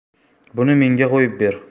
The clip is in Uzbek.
buni menga qo'yib ber